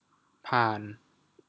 ผ่าน